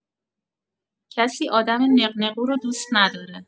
کسی آدم نق‌نقو رو دوست نداره.